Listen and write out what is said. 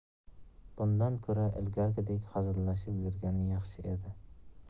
bundan ko'ra ilgarigidek hazillashib yurgani yaxshi edi